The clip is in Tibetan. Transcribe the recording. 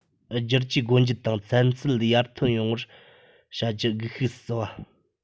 བསྒྱུར བཅོས སྒོ འབྱེད དང ཚན རྩལ ཡར ཐོན ཡོང བར བྱ རྒྱུ སྒུལ ཤུགས སུ བརྩི བ